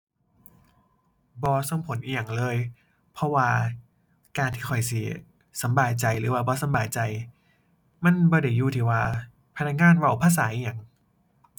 บ่ส่งผลอิหยังเลย เพราะว่าการที่ข้อยสิสำบายใจ หรือว่าบ่สำบายใจ มันบ่ได้อยู่ที่ว่าพนักงานเว้าภาษาอิหยัง